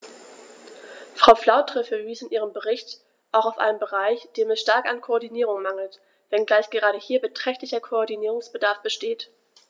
Frau Flautre verwies in ihrem Bericht auch auf einen Bereich, dem es stark an Koordinierung mangelt, wenngleich gerade hier beträchtlicher Koordinierungsbedarf besteht.